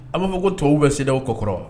An b'a fɔ ko tɔbabu bɛ sew kɔ kɔrɔ